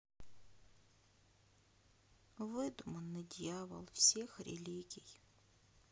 выдуманный дьявол всех религий